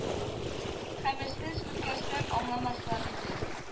Хәмерсез үткәрсәң аңламаслар - диде